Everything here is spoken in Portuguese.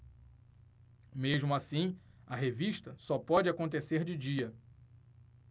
mesmo assim a revista só pode acontecer de dia